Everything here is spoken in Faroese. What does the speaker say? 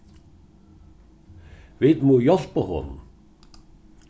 vit mugu hjálpa honum